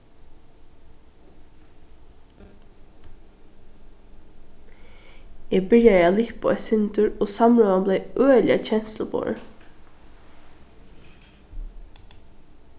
eg byrjaði at lippa eitt sindur og samrøðan bleiv øgiliga kensluborin